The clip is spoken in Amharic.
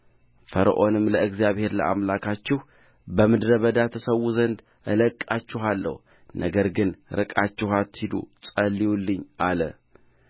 ፈርዖንም ለእግዚአብሔር ለአምላካችሁ በምድረ በዳ ትሠዉ ዘንድ እለቅቃችኋለሁ ነገር ግን ርቃችሁ አትሂዱ ጸልዩልኝ አለ